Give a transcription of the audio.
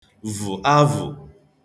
vụ̀ avụ̀